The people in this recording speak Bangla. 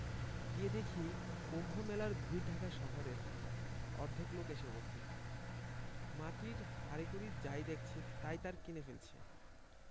করা গিয়ে দেখি কুম্ভমেলার ভিড় ঢাকা শহরের অর্ধেক লোক এসে উপস্থিত মাটির হাঁড়িকুরি যাই দেখছে তাই তার কিনে ফেলছে